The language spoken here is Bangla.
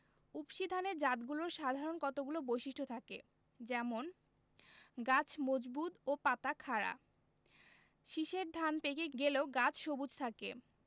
উফশী ধানের জাতগুলোর সাধারণ কতগুলো বৈশিষ্ট্য থাকে যেমন গাছ মজবুত এবং পাতা খাড়া শীষের ধান পেকে গেলেও গাছ সবুজ থাকে